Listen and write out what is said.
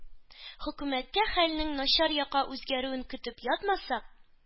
Хөкүмәткә хәлнең начар якка үзгәрүен көтеп ятмаска,